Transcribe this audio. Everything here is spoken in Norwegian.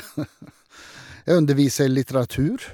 Jeg underviser litteratur.